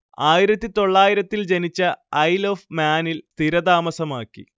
ആയിരത്തിതൊള്ളായിരത്തിൽ ജനിച്ച isle of മാനിൽ സ്ഥിരതാമസമാക്കി